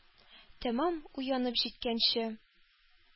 Тәмам уянып җиткәнче,